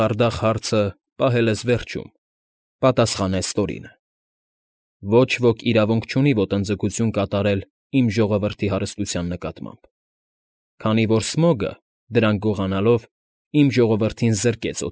Խարդախ հարցը պահել ես վերջում, ֊ պատասխանեց Տորինը։֊ Ոչ ոք իրավունք չունի ոտնձգություն կատարել իմ ժողովրդի հարստության նկատմամբ, քանի որ Սմոգը, դրանք գողանալով, իմ ժողորդին զրկեց։